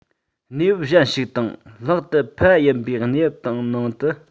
གནས བབ གཞན ཞིག དང ལྷག ཏུ ཕལ བ ཡིན པའི གནས བབ ནང དུ